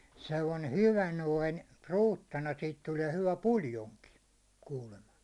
sellainen hyvä noin ruutana siitä tulee hyvä puljonki kuulemma